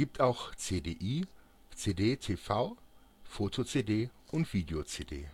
DDCD-RW). Es gibt auch CD-i, CDTV, Photo-CD, Video-CD